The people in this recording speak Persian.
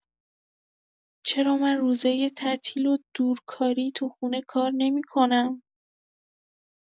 چرا من روزای تعطیل و دورکاری تو خونه کار نمی‌کنم؟